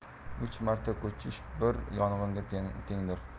uch marta ko'chish bir yong'inga tengdir